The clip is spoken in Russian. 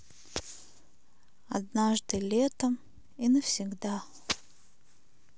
однажды летом и навсегда